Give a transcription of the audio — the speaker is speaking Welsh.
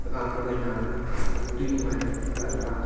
y fam, Rowena, ac Dwynwen, y ferch fach.